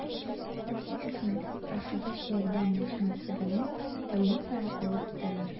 Осиповны «Ашыгыч ярдәм» машинасы белән больницага алып китәләр.